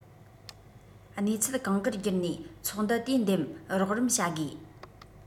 གནས ཚུལ གང དགར བསྒྱུར ནས ཚོགས འདུ དེས འདེམས རོགས རམ བྱ དགོས